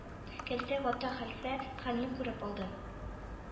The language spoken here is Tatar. Кәлтә Гата хәлфә хәлне күреп алды.